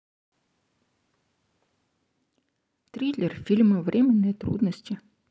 триллер фильма временные трудности